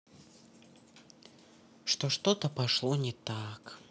что что то пошло не так